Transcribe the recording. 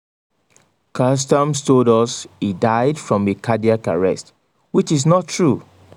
Customs told us he died from a cardiac arrest, which is not true.